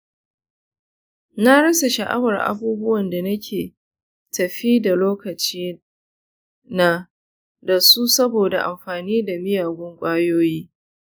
na rasa sha'awar abubuwan da nake tafi da lokacina da su saboda amfani da miyagun ƙwayoyi.